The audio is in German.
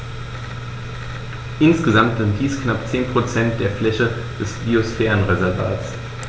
Insgesamt sind dies knapp 10 % der Fläche des Biosphärenreservates.